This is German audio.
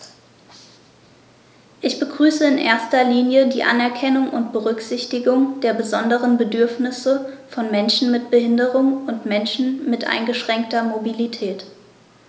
Ich begrüße in erster Linie die Anerkennung und Berücksichtigung der besonderen Bedürfnisse von Menschen mit Behinderung und Menschen mit eingeschränkter Mobilität.